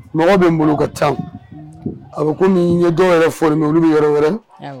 Mɔgɔ bɛ n bolo ka ca a kɔmi ye dɔw yɛrɛ fɔ olu bɛ yɛrɛ wɛrɛ